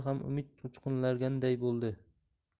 ham umid uchqunlaganday bo'ldi